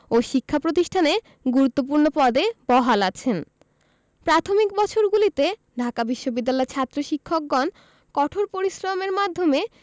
ও শিক্ষা প্রতিষ্ঠানে গুরুত্বপূর্ণ পদে বহাল আছেন প্রাথমিক বছরগুলিতে ঢাকা বিশ্ববিদ্যালয় ছাত্র শিক্ষকগণ কঠোর পরিশ্রমের মাধ্যমে